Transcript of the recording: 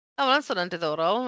O ma' hwnna'n swnio'n diddorol.